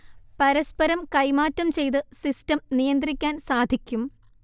പരസ്പരം കൈമാറ്റം ചെയ്ത് സിസ്റ്റം നിയന്ത്രിക്കാൻ സാധിക്കും